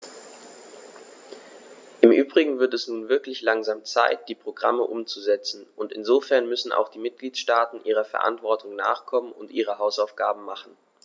Im übrigen wird es nun wirklich langsam Zeit, die Programme umzusetzen, und insofern müssen auch die Mitgliedstaaten ihrer Verantwortung nachkommen und ihre Hausaufgaben machen.